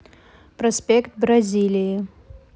проспект бразилии